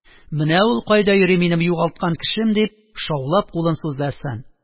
Менә ул кайда йөри минем югалткан кешем, – дип шаулап кулын сузды Әсфан.